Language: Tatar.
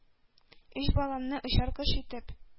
Өч баламны, очар кош итеп,